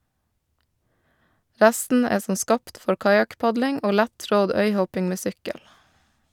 Resten er som skapt for kajakkpadling og lett-trådd øyhopping med sykkel.